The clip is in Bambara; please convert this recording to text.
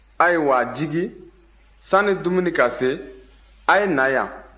ayiwa jigi sani dumuni ka se a'ye na yan